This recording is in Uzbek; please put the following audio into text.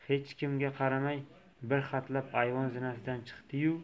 hech kimga qaramay bir hatlab ayvon zinasidan chiqdi yu